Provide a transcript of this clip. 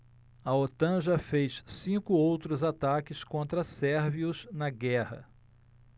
a otan já fez cinco outros ataques contra sérvios na guerra